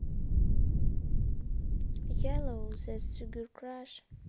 yello the sugar crush